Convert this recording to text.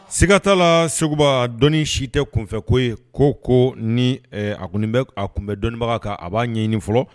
Sigatala seguba dɔn si tɛ kunfɛ ko ye ko ko ni a a kun bɛ dɔnnibaga kan a b'a ɲini nin fɔlɔ